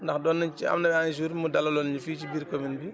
ndax doon nañ ci am na ay jours mu dalaloon ñu fii ci biir commune bi